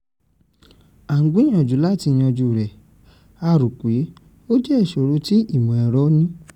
A ń gbìyànjú láti yanjú rẹ̀, a rò pé ó jẹ́ ìṣòro tí ìmọ̀ ẹ̀rọ ni.